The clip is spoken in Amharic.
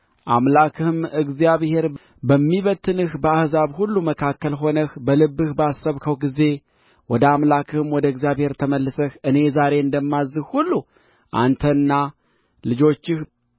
አምላክህም እግዚአብሔር በሚበትንህ በአሕዛብ ሁሉ መካከል ሆነህ በልብህ ባሰብኸው ጊዜ ወደ አምላክህም ወደ እግዚአብሔር ተመልሰህ እኔ ዛሬ እንደማዝዝህ ሁሉ አንተና ልጆችህ